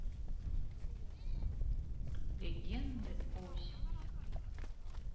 легенды осени